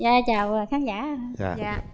dạ chào khán giả dạ dạ